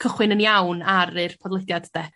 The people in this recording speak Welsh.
cychwyn yn iawn ar i'r podlediad de?